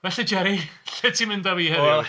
Felly Jerry, lle ti'n mynd a fi heddiw?